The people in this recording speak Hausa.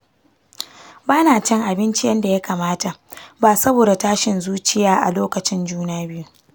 ban ci abinci yadda ya kamata ba saboda tashin zuciya a lokacin juna biyu.